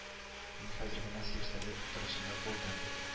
Мин хәзер генә сельсовет утырышында булдым